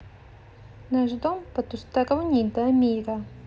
наш дом потусторонний дамира